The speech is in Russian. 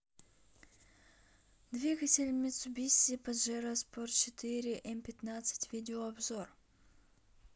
двигатель мицубиси паджеро спорт четыре м пятнадцать видеообзор